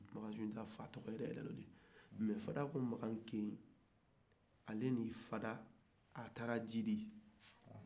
makan sunjata fa tɔgɔ yɛrɛ yɛrɛ tu ye o de ye mais farakomakankeyi ale de y'i fara a taara jidi